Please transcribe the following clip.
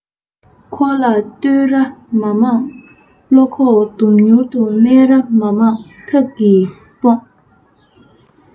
འཁོར ལ བསྟོད ར མ མང བློ ཁོག སྡོམས མྱུར དུ སྨད ར མ མང ཐབས ཀྱིས སྤོང